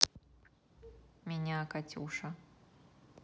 меня катюша